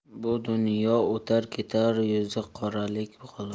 bu dunyo o'tar ketar yuzi qoralik qolar